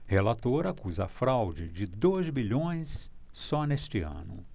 relator acusa fraude de dois bilhões só neste ano